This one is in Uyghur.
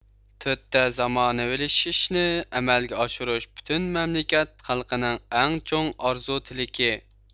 تۆتتە زامانىۋاىلىشىشنى ئەمەلگە ئاشۇرۇش پۈتۈن مەملىكەت خەلقىنىڭ ئەڭ چوڭ ئارزۇ تىلىكى